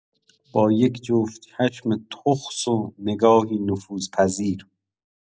با یک جفت چشم تخس و نگاهی نفوذپذیر.